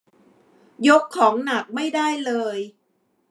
ยกของหนักไม่ได้เลย